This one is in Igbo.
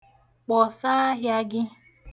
Kpọsaa ahịa gị.